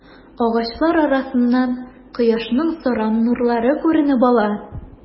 Агачлар арасыннан кояшның саран нурлары күренеп ала.